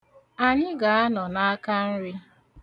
Anyị ga-anọ n'akanri.